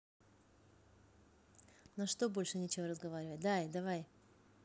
на что больше нечего разговаривать дай давай